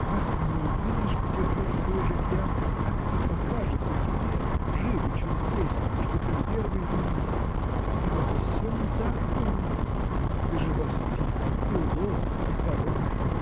Как не увидишь петербургского житья так и покажется тебе живучи здесь что ты первый в мире и во всем так, мой милый! Ты же воспитан, и ловок, и хорош.